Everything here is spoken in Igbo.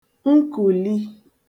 nkuli